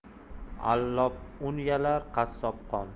allop un yalar qassob qon